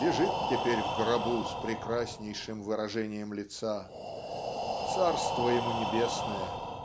Лежит теперь в гробу с прекраснейшим выражением лица. Царство ему небесное,